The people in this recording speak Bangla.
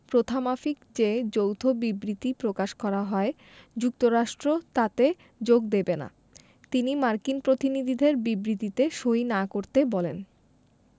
প্রথামাফিক যে যৌথ বিবৃতি প্রকাশ করা হয় যুক্তরাষ্ট্র তাতে যোগ দেবে না তিনি মার্কিন প্রতিনিধিদের বিবৃতিতে সই না করতে বলেন